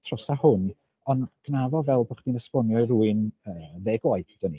Trosa hwn ond gwna fo fel bod chdi'n esbonio i rywun yy ddeg oed ddeudwn ni.